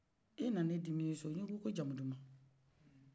n'e nana dimine sɔrɔ ne kɔ kɔ jamu duman